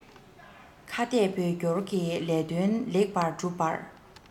ཁ གཏད བོད སྐྱོར གྱི ལས དོན ལེགས པར སྒྲུབ པར